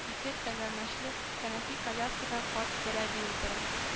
Ике тәгәрмәчле кәнәфи-коляскада карт бер әби утыра